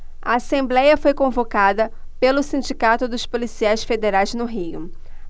a assembléia foi convocada pelo sindicato dos policiais federais no rio